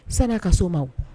Sani ka so ma